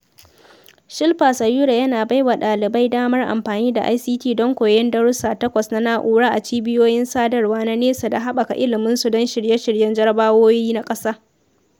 Shilpa Sayura yana bai wa ɗalibai damar amfani da ICT don koyon darussa takwas ta na'ura a cibiyoyin sadarwa na nesa da haɓaka iliminsu don shirye-shiryen jarrabawoyi na ƙasa.